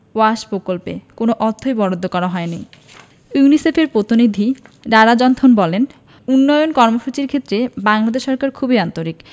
wash প্রকল্পে কোনো অর্থই বরাদ্দ করা হয়নি ইউনিসেফের প্রতিনিধি ডারা জনথন বলেন উন্নয়ন কর্মসূচির ক্ষেত্রে বাংলাদেশ সরকার খুবই আন্তরিক